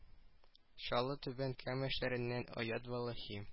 Чаллы түбән кама яшьләреннән оят валлаһи